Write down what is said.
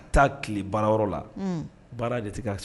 Taa tile baara yɔrɔ la baara de'